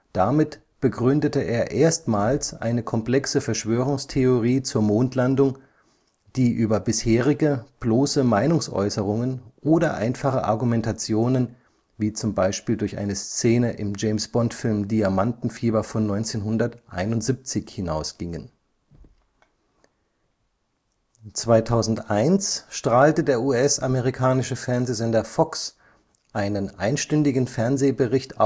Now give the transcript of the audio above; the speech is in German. Damit begründete er erstmals eine komplexe Verschwörungstheorie zur Mondlandung, die über bisherige bloße Meinungsäußerungen oder einfache Argumentationen, wie zum Beispiel durch eine Szene im James-Bond-Film Diamantenfieber von 1971 (siehe den Punkt Kulturelle Reflexion), hinausgingen. 2001 strahlte der US-amerikanische Fernsehsender Fox den einstündigen Fernsehbericht